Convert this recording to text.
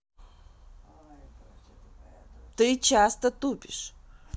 ты часто тупишь